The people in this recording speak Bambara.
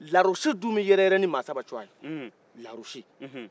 lawurusi dun bɛ yɛrɛ yɛrɛ nin saba tɔgɔye lawurusi